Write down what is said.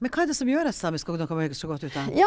men hva er det som gjør at samisk ungdom kommer så godt ut av?